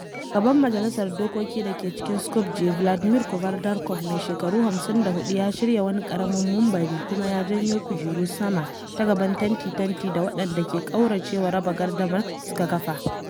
A gaban majalisar dokoki da ke cikin Skopje, Vladimir Kavardarkov, mai shekaru 54, ya shirya wani ƙaramin munbari kuma ya janyo kujeru sama ta gaban tanti-tanti da waɗanda ke ƙaurace wa raba gardamar suka kafa.